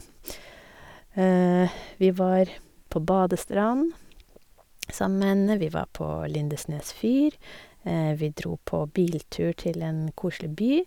Vi var på badestrand sammen med henne, vi var på Lindesnes fyr, vi dro på biltur til en koselig by.